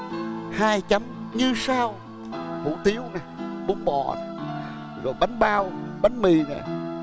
hai chấm như sau hủ tiếu nè bún bò rồi bánh bao bánh mì nè